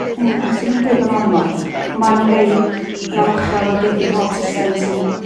Ie swn i'm yn deud bo' 'na ormod. Ma' 'na rhei yn anochel fel gei di ym mhob system sy'n